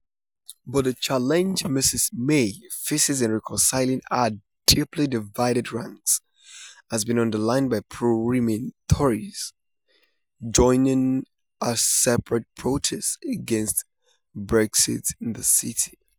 But the challenge Mrs May faces in reconciling her deeply divided ranks has been underlined by pro-Remain Tories joining a separate protest against Brexit in the city.